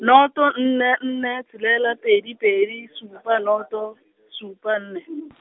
noto nne nne tshelela pedi pedi supa noto, supa nne.